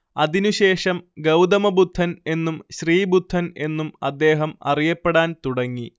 അതിനുശേഷം ഗൗതമബുദ്ധൻ എന്നും ശ്രീബുദ്ധൻ എന്നും അദ്ദേഹം അറിയപ്പെടാൻ തുടങ്ങി